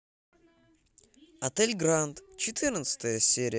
отель гранд четырнадцатая серия